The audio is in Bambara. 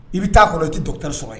I be taa kɔnɔ i ti docteur sɔrɔ ye